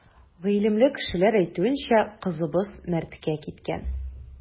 Гыйлемле кешеләр әйтүенчә, кызыбыз мәрткә киткән.